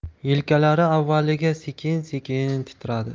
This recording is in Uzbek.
yelkalari avvaliga sekin sekin titradi